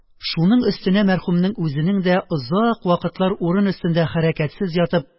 Шуның өстенә мәрхүмнең үзенең дә озак вакытлар урын өстендә хәрәкәтсез ятып